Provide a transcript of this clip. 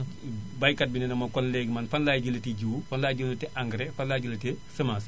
baykat bi nee na ma kon léegi man fan laay jëlee ti jiwu fan laay jëlatee engrais fan laay jëleetee semence